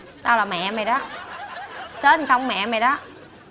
tao là mẹ mày đó sến hay không mẹ mày đó